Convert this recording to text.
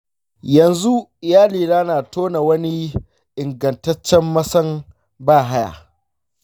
yanzu iyalina na tona wani ingantaccen masan bahaya.